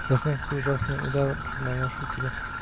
Я знаю, какой ужасный удар наношу тебе